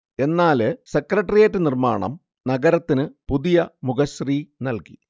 എന്നാല് സെക്രട്ടേറിയറ്റ് നിര്‍മ്മാണം നഗരത്തിന് പുതിയ മുഖശ്രീ നല്കി